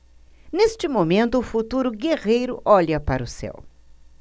neste momento o futuro guerreiro olha para o céu